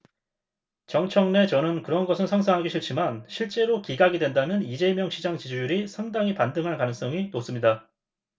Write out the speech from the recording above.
정청래 저는 그런 것은 상상하기 싫지만 실제로 기각이 된다면 이재명 시장 지지율이 상당히 반등할 가능성이 높습니다